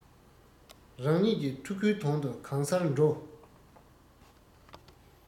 རང ཉིད ཀྱི ཕྲུ གུའི དོན དུ གང སར འགྲོ